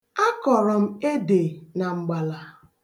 Akọrọ m ede na mgbala.